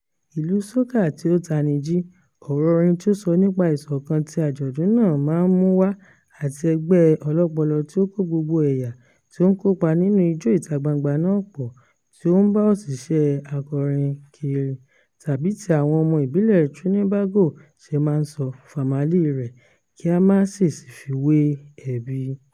ìlù "soca tí ó tani jí", ọ̀rọ̀ orin tí ó sọ nípa ìṣọ̀kan tí àjọ̀dún náà máa ń mú wá, àti ègbé ọlọ́pọlọ tí ó kó gbogbo ẹ̀yà tí ó ń kópa nínú Ijó ìta-gbangba náà pọ̀ — tí ó ń bá òṣìṣẹ́ akọrin kiri, tàbí bí àwọn ọmọ ìbílẹ̀ Trinbago ṣe máa ń sọ, “famalay” rẹ (kí a máà ṣèṣì fi wé “ẹbí”) :